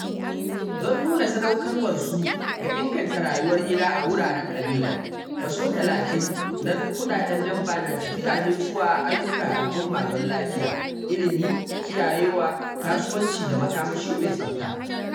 Don nuna sadaukarwarsu ga inganta rayuwar gida a wuraren "kabilar," 30% na duk kuɗaɗen memba na tafiya ne zuwa ayyukan al'umma don lafiya, ilimi, kiyayewa, kasuwanci da makamashi mai tsafta.